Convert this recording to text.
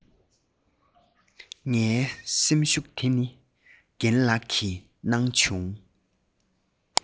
ངའི སེམས ཤུགས དེ ནི རྒན ལགས ཀྱི གནང བྱུང